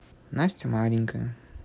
настя маленькая